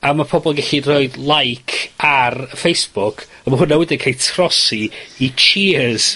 A ma' pobol yn gellu roidlike ar Facebook, a ma' hwnna wedyn yn ca'l ei trosi i cheers...